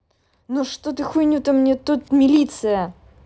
ну что ты хуйню то мне тут милиция